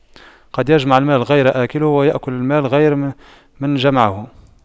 قد يجمع المال غير آكله ويأكل المال غير من جمعه